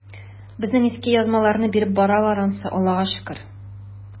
Безнең иске язмаларны биреп баралар ансы, Аллага шөкер.